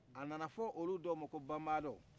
a nana fɔ olu dɔw ma ko banbaadɔ